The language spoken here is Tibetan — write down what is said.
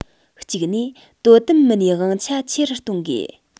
གཅིག ནས དོ དམ མི སྣའི དབང ཆ ཆེ རུ གཏོང དགོས